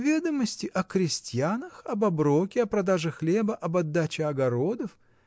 — Ведомости о крестьянах, об оброке, о продаже хлеба, об отдаче огородов.